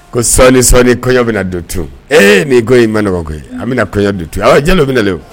Ko sɔni sɔni kɔɲɔ bɛna don te ee ni kɔ in man nɔgɔ ye an bɛna kɔɲɔyɔ don ten a jɔn de bɛ nalen